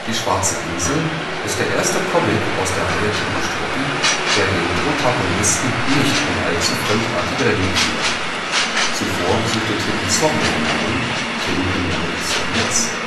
Schwarze Insel “ist der erste Comic aus der Reihe Tim und Struppi, der den Protagonisten nicht in allzu fremdartige Länder führt. Zuvor besuchte Tim die Sowjetunion („ Tim im Lande der Sowjets